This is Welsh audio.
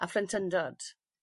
a phlentyndod?